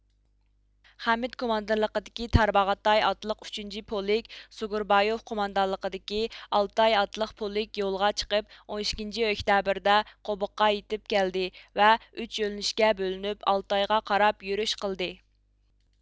خەمىت كوماندىرلىقىدىكى تارباغاتاي ئاتلىق ئۈچىنچى پولك سۇگۇربايوف قوماندانلىقىدىكى ئالتاي ئاتلىق پولك يولغا چىقىپ ئون ئىككىنچى ئۆكتەبىردە قوبۇققا يېتىپ كەلدى ۋە ئۈچ يۆنىلىشكە بۆلۈنۈپ ئالتايغا قاراپ يۈرۈش قىلدى